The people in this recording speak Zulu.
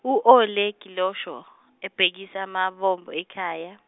u Ole Gilosho ebhekisa amabombo ekhaya.